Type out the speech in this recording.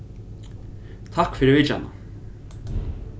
takk fyri vitjanina